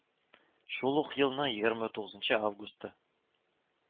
Шул ук елның егерме тугызынчы августы